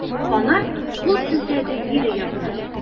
Ана кул селтәде ире ягына.